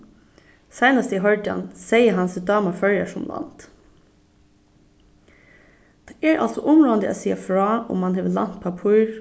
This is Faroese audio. seinast eg hoyrdi hann segði hann seg dáma føroyar sum land tað er altso umráðandi at siga frá um mann hevur lænt pappír